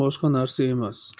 boshqa narsa emas